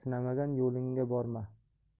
sinamagan yo'lingga borma